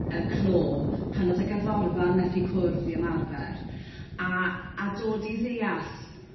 y clo pan o'dd y gerddorfa'n methu cwrdd i ymarfer a a dod i ddeall